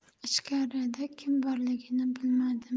ichkarida kim borligini bilmadimu